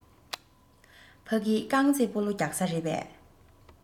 ཕ གི རྐང རྩེད སྤོ ལོ རྒྱག ས རེད པས